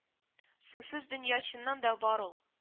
- сусыз дөнья чыннан да бар ул